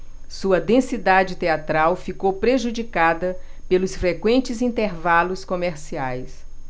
sua densidade teatral ficou prejudicada pelos frequentes intervalos comerciais